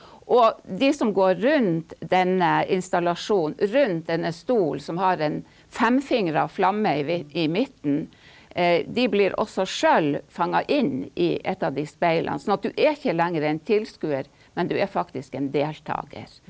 og de som går rundt denne installasjonen, rundt denne stolen som har en femfingra flamme i i midten, de blir også sjøl fanga inn et av de speilene, sånn at du er ikke lenger en tilskuer, men du er faktisk en deltaker.